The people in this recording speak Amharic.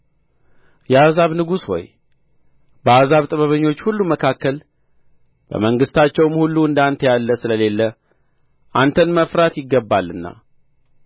የአሕዛብ ንጉሥ ሆይ በአሕዛብ ጥበበኞች ሁሉ መካከል በመንግሥታቸውም ሁሉ እንደ አንተ ያለ ስለሌለ አንተን መፍራት ይገባልና